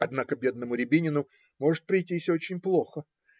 Однако бедному Рябинину может прийтись очень плохо